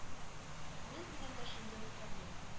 Цемент белән дә шундый ук проблема